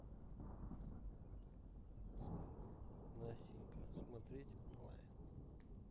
настенька смотреть онлайн